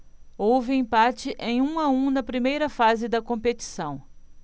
houve empate em um a um na primeira fase da competição